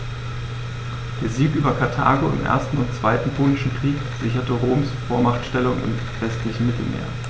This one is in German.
Der Sieg über Karthago im 1. und 2. Punischen Krieg sicherte Roms Vormachtstellung im westlichen Mittelmeer.